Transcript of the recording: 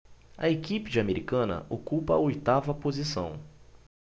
a equipe de americana ocupa a oitava posição